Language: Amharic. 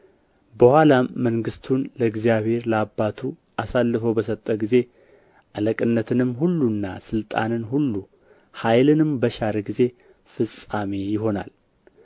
በኋላም መንግሥቱን ለእግዚአብሔር ለአባቱ አሳልፎ በሰጠ ጊዜ አለቅነትንም ሁሉና ሥልጣንን ሁሉ ኃይልንም በሻረ ጊዜ ፍጻሜ ይሆናል